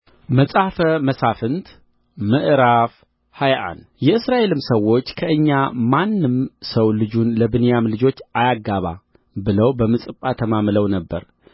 መጽሐፈ መሣፍንት ምዕራፍ ሃያ አንድ የእስራኤልም ሰዎች ከእኛ ማንም ሰው ልጁን ለብንያም ልጆች አያጋባ ብለው በምጽጳ ተማምለው ነበር